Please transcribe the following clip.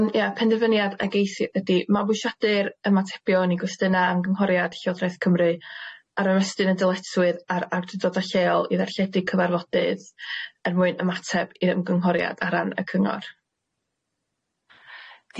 Yym ia penderfyniad a geisi ydi mabwyshadu'r ymatebion i gwestiynau ymgynghoriad llywodraeth Cymru ar ymestyn y dyletswydd ar awdurdoda lleol i ddarlledu cyfarfodydd er mwyn ymateb i'r ymgynghoriad ar ran y cyngor.